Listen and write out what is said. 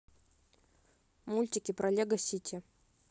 мультики про лего сити